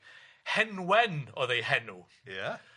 Henwen oedd ei henw. Ia.